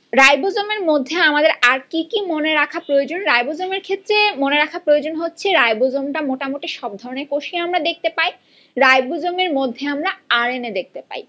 ribosome এর মধ্যে আমাদের আর কি কি মনে রাখা প্রয়োজন রাইবোজোম এর ক্ষেত্রে মনে রাখা প্রয়োজন হচ্ছে রাইবোজোম টা মোটামুটি সব ধরনের কোষ আমরা দেখতে পাই রাইবোজোম এর মধ্যে আমরা আর এন এ দেখতে পাই